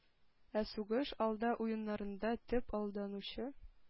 Ә сугыш алды уеннарында төп алданучы,